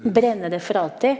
brenne det for alltid?